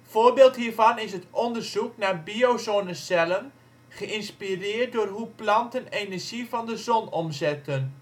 Voorbeeld hiervan is het onderzoek naar biozonnecellen geïnspireerd door hoe planten energie van de zon omzetten